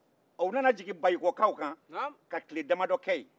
u nana jigi bayikɔkaw kan ka tile damadɔ kɛ ye